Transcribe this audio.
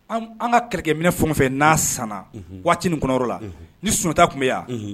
An ka kɛrɛ minɛfɛ n'a waati ni kɔnɔ la ni sunjatata tun bɛ yan